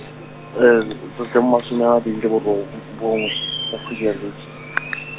September some a mabedi le borobongwe ka kgwedi ya Lwetse .